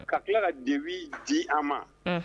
Ka tila debi di a ma